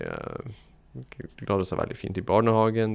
Klarer seg veldig fint i barnehagen.